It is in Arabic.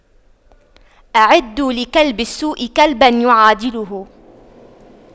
أعدّوا لكلب السوء كلبا يعادله